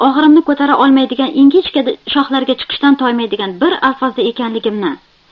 og'irimni ko'tara olmaydigan ingichka shoxlarga chiqishdan toymaydigan bir alfozda ekanligimni